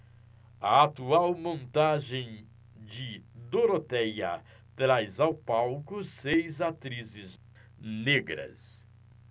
a atual montagem de dorotéia traz ao palco seis atrizes negras